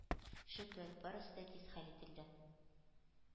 Шөкер, барысы да тиз хәл ителде: